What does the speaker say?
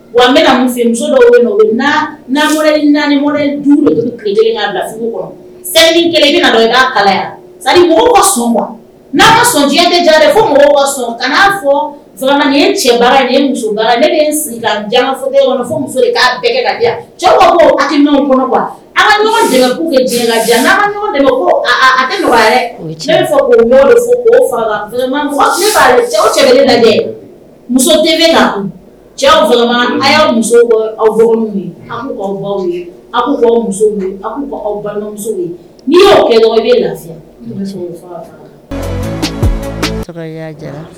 Wa n bɛna muso muso dɔwani la kelen i'a kala sun n'a son sɔna fɔ cɛ ne jan muso cɛw kɔnɔ lajɛ muso bɛ cɛw' muso aw lafi